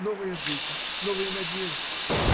Новая жизнь, новые надежды.